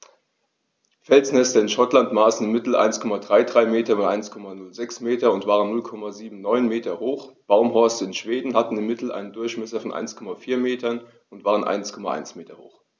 Felsnester in Schottland maßen im Mittel 1,33 m x 1,06 m und waren 0,79 m hoch, Baumhorste in Schweden hatten im Mittel einen Durchmesser von 1,4 m und waren 1,1 m hoch.